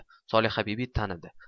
solihabibi tanidi